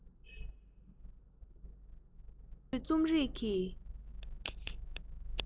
ང ཚོས རྩོམ རིག གི